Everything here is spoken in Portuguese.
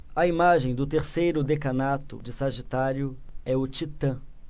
a imagem do terceiro decanato de sagitário é o titã